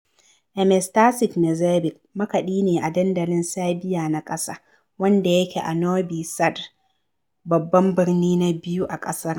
Ms. Tasic Knezeɓic makaɗi ne a Dandalin Serbia na ƙasa, wanda yake a Noɓi Sad, babban birni na biyu a ƙasar.